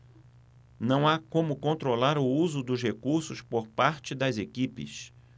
não há como controlar o uso dos recursos por parte das equipes